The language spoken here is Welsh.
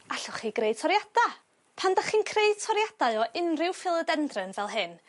allwch chi greu toriada. Pan 'dach chi'n creu toriadau o unrhyw philodendron fel hyn